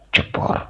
Cɛ bɔra